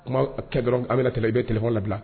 Kuma kɛ dɔrɔn an bɛ kɛ i bɛ kɛlɛfɔ labila